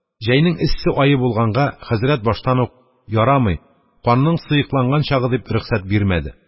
Җәйнең эссе ае булганга, хәзрәт баштан ук: «Ярамый, канның сыекланган чагы», – дип рөхсәт бирмәде.